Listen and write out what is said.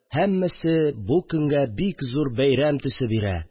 Һәммәсе бу көнгә бик зур бәйрәмөсе төсе бирә